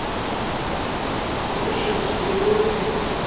ужин с придурком